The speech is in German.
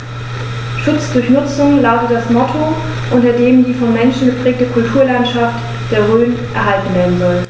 „Schutz durch Nutzung“ lautet das Motto, unter dem die vom Menschen geprägte Kulturlandschaft der Rhön erhalten werden soll.